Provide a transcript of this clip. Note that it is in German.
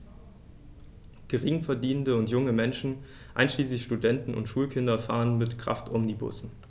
Geringverdienende und junge Menschen, einschließlich Studenten und Schulkinder, fahren mit Kraftomnibussen.